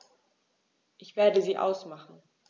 Ich werde sie ausmachen.